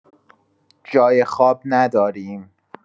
جای خواب نداریم